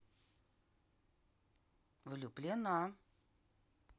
влюблена